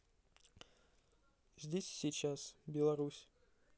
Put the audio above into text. здесь и сейчас беларусь